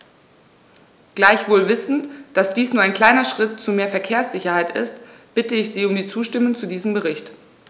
Gleichwohl wissend, dass dies nur ein kleiner Schritt zu mehr Verkehrssicherheit ist, bitte ich Sie um die Zustimmung zu diesem Bericht.